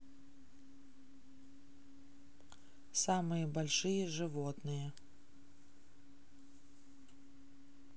самые большие животные